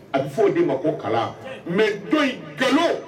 A bɛ fɔ' o d'i ma ko kala mɛ don nkalon